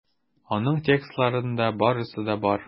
Аның текстларында барысы да бар.